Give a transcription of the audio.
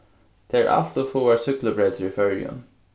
tað eru alt ov fáar súkklubreytir í føroyum